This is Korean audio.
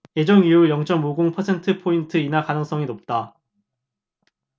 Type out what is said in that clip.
예정이율 영 쩜 오 공 퍼센트포인트 인하 가능성이 높다